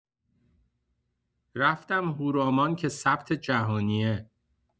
رفتم هورامان که ثبت جهانیه.